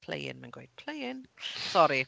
Playing mae'n gweud. "Playing"! Sori.